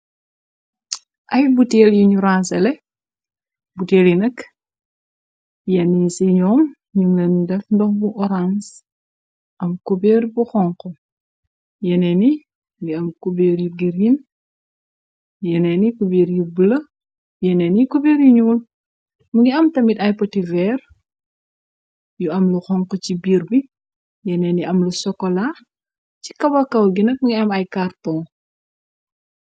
Ay buteel yuñu rangeele, buteel yi nak yenn yi ci ñoom ñuneen def ndox bu orans, am cubeer bu xonk, yeneeni li am kubiir yu girin, yenee ni kubiir yu bula, yenee ni kubeir yu ñuul, mu ngi am tamit ay potiveer yu am lu xonk ci biir bi, yeneeni am lu sokolaax, ci kabakaw gi nag nga am ay karton.